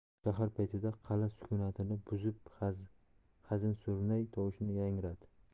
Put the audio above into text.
sahar paytida qala sukunatini buzib hazin surnay tovushi yangradi